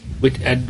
wed- yn